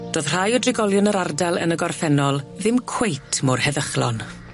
Do'dd rhai o drigolion yr ardal yn y gorffennol ddim cweit mor heddychlon.